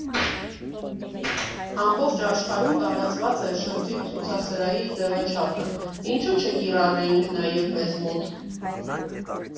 Ամբողջ աշխարհում տարածված է շրջիկ ցուցասրահի ձևաչափը, ինչու՞ չկիրառեինք նաև մեզ մոտ։